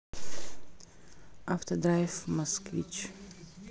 автодрайв москвич